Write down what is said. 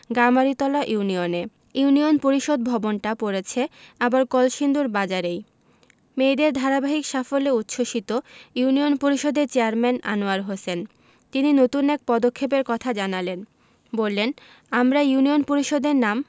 গামারিতলা ইউনিয়নে ইউনিয়ন পরিষদ ভবনটা পড়েছে আবার কলসিন্দুর বাজারেই মেয়েদের ধারাবাহিক সাফল্যে উচ্ছ্বসিত ইউনিয়ন পরিষদের চেয়ারম্যান আনোয়ার হোসেন তিনি নতুন এক পদক্ষেপের কথা জানালেন বললেন আমরা ইউনিয়ন পরিষদের নাম